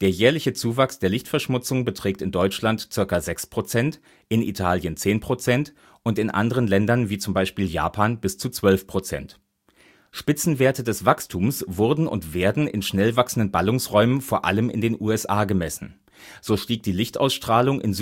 jährliche Zuwachs der Lichtverschmutzung beträgt in Deutschland ca. 6 %, in Italien 10 % und in anderen Ländern wie z. B. Japan bis zu 12 %. Spitzenwerte des Wachstums wurden und werden in schnell wachsenden Ballungsräumen vor allem in den USA gemessen, so stieg die Lichtausstrahlung in